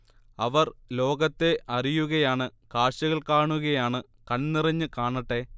അവർ ലോകത്തെ അറിയുകയാണ് കാഴ്ചകൾ കാണുകയാണ് കൺനിറഞ്ഞ് കാണട്ടെ